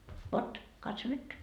vot katso nyt